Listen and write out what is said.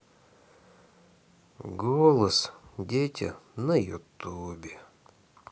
голос дети на ютубе